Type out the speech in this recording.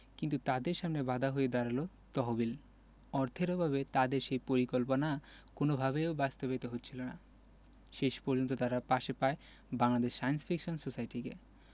কিন্তু তাদের সামনে বাধা হয়ে দাঁড়ায় তহবিল অর্থের অভাবে তাদের সেই পরিকল্পনা কোনওভাবেই বাস্তবায়িত হচ্ছিল না শেষ পর্যন্ত তারা পাশে পায় বাংলাদেশ সায়েন্স ফিকশন সোসাইটিকে